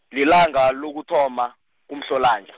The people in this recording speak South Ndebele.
lilanga lokuthoma, kuMhlolanja.